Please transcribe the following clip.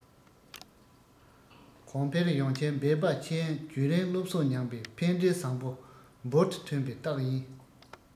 གོང འཕེལ ཡོང ཕྱིར འབད པ ཆེན རྒྱུན རིང སློབ གསོ མྱངས པའི ཕན འབྲས བཟང པོ འབུར དུ ཐོན པའི རྟགས ཡིན